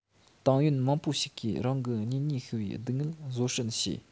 ཏང ཡོན མང པོ ཞིག གིས རང གི གཉེན ཉེ ཤི བའི སྡུག བསྔལ བཟོད བསྲན བྱས